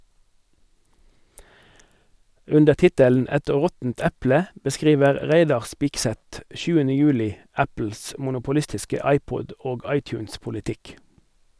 Under tittelen "Et råttent eple" beskriver Reidar Spigseth 7. juli Apples monopolistiske iPod- og iTunes-politikk.